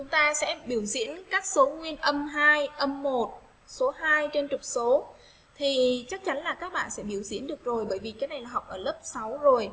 chúng ta sẽ biểu diễn các số nguyên âm hay âm số trên trục số thì chắc chắn là các bạn sẽ biểu diễn được rồi bởi vì cái này nó học ở lớp rồi